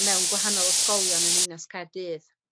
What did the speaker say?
mewn gwahanol ysgolion yn Ninas Caerdydd.